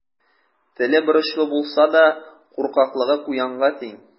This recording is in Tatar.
Теле борычлы булса да, куркаклыгы куянга тиң.